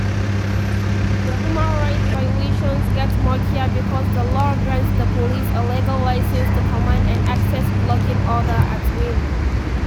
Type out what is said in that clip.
The human rights violations get murkier because the law grants the police a legal license to command an access-blocking order at whim.